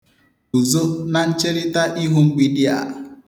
Guzo na ncherịta ihu mgbidi a.